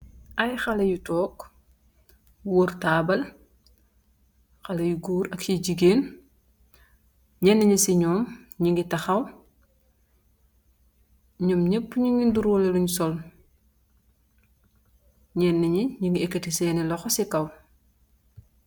Ay xalèh yu tóóg worr tabal, xalèh yu gór ak yu gigeen. Ñeeni ci ñom ñi ñgi taxaw, ñom ñap ñigih niroleh lin sol. Ñeen ñi ñu ngi yekati sèèni loxo ci kaw.